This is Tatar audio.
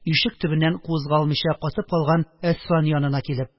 Ишек төбеннән кузгалмыйча катып калган әсфан янына килеп